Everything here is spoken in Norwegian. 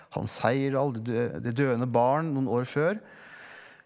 Hans Heyerdahl det Det døende barn noen år før.